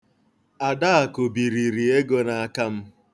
Adaakụ biriri ego n'aka m.